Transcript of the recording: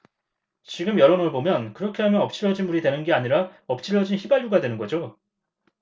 지금 여론을 보면 그렇게 하면 엎질러진 물이 되는 게 아니라 엎질러진 휘발유가 되는 거죠